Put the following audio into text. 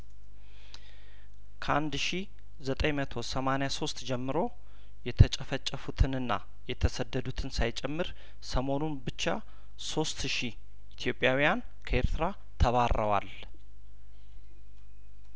ከአንድ ሺ ዘጠኝ መቶ ሰማኒያሶስት ጀምሮ የተጨፈጨፉትንና የተሰደዱትን ሳይጨምር ሰሞኑን ብቻ ሶስት ሺ ኢትዮጵያውያን ከኤርትራ ተባረዋል